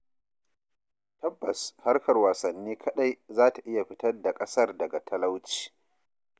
Tabbas, harkar wasanni kaɗai za ta iya fitar da ƙasar daga talauci.